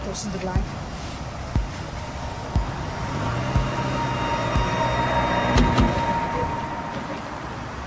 Dos yn dy flaen.